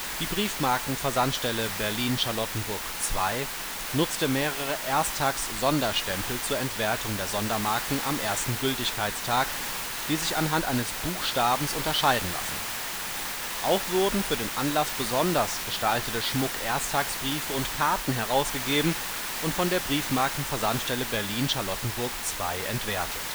Die Briefmarken-Versandstelle Berlin-Charlottenburg 2 nutze mehrere Ersttags-Sonderstempel zur Entwertung der Sondermarken am ersten Gültigkeitstag, die sich anhand eines Buchstabens unterscheiden lassen. Auch wurden für den Anlass besonders gestaltete Schmuck-Ersttagsbriefe und - karten herausgegeben und von der Briefmarken-Versandstelle Berlin-Charlottenburg 2 entwertet